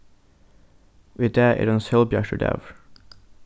í dag er ein sólbjartur dagur